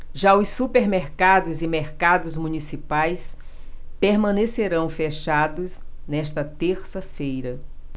já os supermercados e mercados municipais permanecerão fechados nesta terça-feira